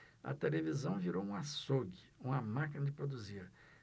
a televisão virou um açougue uma máquina de produzir